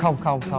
không không không